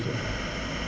monsieur Wade